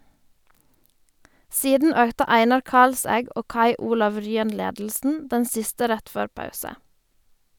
Siden økte Einar Kalsæg og Kai Olav Ryen ledelsen, den siste rett før pause.